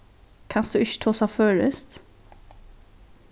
kanst tú ikki tosa føroyskt